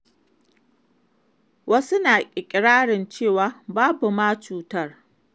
Wasu na iƙirarin cewa babu ma cutar.